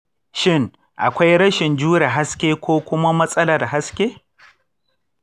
shin akwai rashin jure haske ko kuma matsalar haske?